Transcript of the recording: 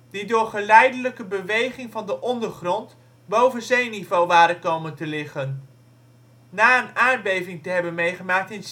die door geleidelijke beweging van de ondergrond boven zeeniveau waren komen te liggen. Na een aardbeving te hebben meegemaakt in